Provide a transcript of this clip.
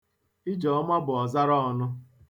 Ijeọma bụ ọ̀zaraọ̄nụ̄.